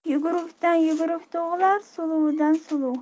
yugurukdan yuguruk tug'ilar suluvdan suluv